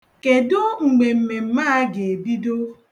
Kedụ mgbe mmemme a ga-ebido?